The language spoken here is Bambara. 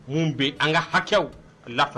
Mun bɛ an ka hakɛw la